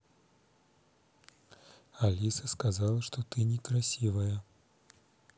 алиса сказала что ты некрасивая